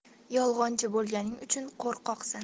yolg'onchi bo'lganing uchun qo'rqoqsan